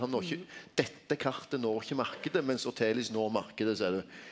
han når ikkje dette kartet når ikkje marknaden, mens Ortelius' når marknaden seier du.